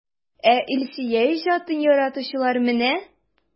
Ә Илсөя иҗатын яратучылар менә!